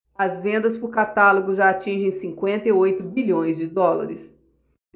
as vendas por catálogo já atingem cinquenta e oito bilhões de dólares